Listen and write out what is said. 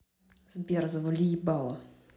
сбер завали ебало